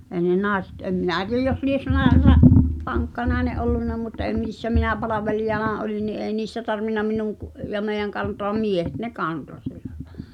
ei ne naiset en minä tiedä jos lie -- vankka nainen ollut mutta ei missä minä palvelijana olin niin ei niissä tarvinnut minun kun ja meidän kantaa miehet ne kantoi sillä lailla